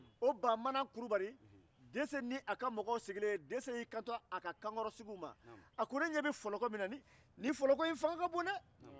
dese ni a ka mɔgɔw sigilen dese y'i kanto a ka mɔgɔw ne ɲɛ bɛ ni fɔlɔ min na nin fɔlɔkɔ fanga ka bon dɛ